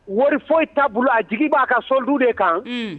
Wari fosi t'a bolo a jigi b'a ka solde de kan, unh